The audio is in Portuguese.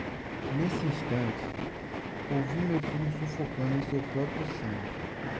nesse instante ouvi meu filho sufocando em seu próprio sangue